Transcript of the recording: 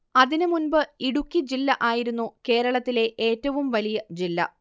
അതിനു മുൻപ് ഇടുക്കി ജില്ല ആയിരുന്നു കേരളത്തിലെ ഏറ്റവും വലിയ ജില്ല